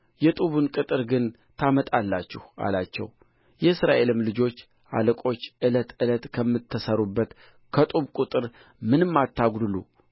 የጡቡን ቍጥር ግን ታመጣላችሁ አላቸው የእስራኤልም ልጆች አለቆች ዕለት ዕለት ከምትሰሩት ከጡቡ ቍጥር ምንም አታጕድሉ